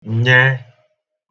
nyẹ